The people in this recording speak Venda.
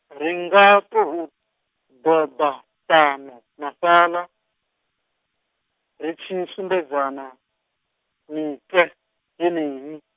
ri nga tou, doba fhano na fhaḽa, ri tshi sumbedza na, mitwe, yeneyi.